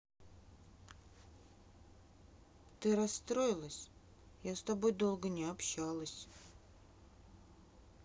ты расстроилась я с тобой долго не общалась